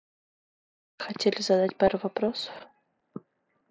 вы хотели задать пару вопросов